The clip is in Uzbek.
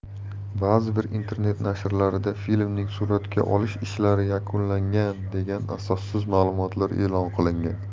ba'zi bir internet nashrlarida filmning suratga olish ishlari yakunlandi degan asossiz ma'lumotlar e'lon qilingan